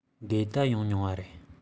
འགལ ཟླ ཡོང མྱོང བ རེད